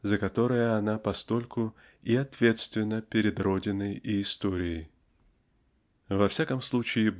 за которое она постольку и ответственна перед родиной и историей. Во всяком случае